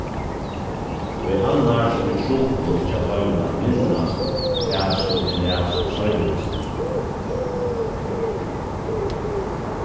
tí annars er trupult hjá teimum at minnast tað sum eg las seinast